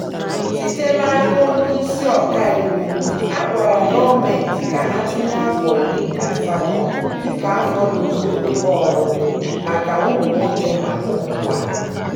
Site n'aka onyeisi ọkaiwu, a gwara gọọmentị ka ha tinye afọ 18 dịka afọ tozuru oke ọlụlụ maka ma ụmụ nwaanyị ma ụmụ nwoke.